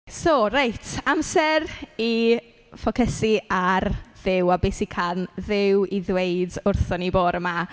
So, reit. Amser i ffocysu ar Dduw a be sy can Dduw i ddweud wrthon ni bore 'ma.